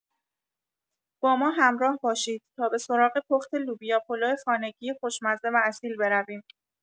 با ما همراه باشید تا به سراغ پخت لوبیا پلو خانگی خوشمزه و اصیل برویم.